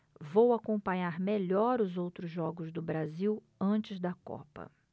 vou acompanhar melhor os outros jogos do brasil antes da copa